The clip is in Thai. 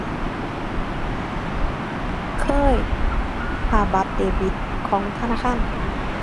เคย ค่าบัตรเดบิตของธนาคาร